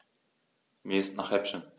Mir ist nach Häppchen.